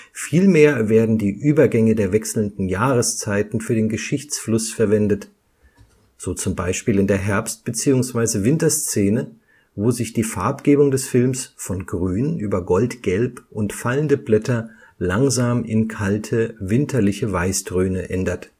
Vielmehr werden die Übergänge der wechselnden Jahreszeiten für den Geschichtsfluss verwendet, so zum Beispiel in der Herbst - bzw. Winterszene, wo sich die Farbgebung des Films von Grün über Goldgelb und fallende Blätter langsam in kalte, winterliche Weißtöne ändert